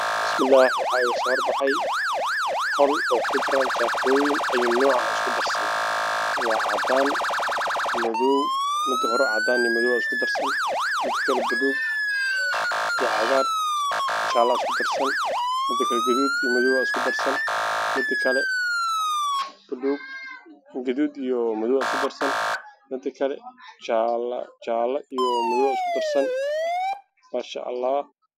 Waa carwo waxaa ii muuqda Dharka Ilmaha yar yarka ah waana jaakado